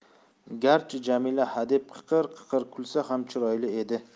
garchi jamila hadeb qiqir qiqir kulsa ham chiroyli edi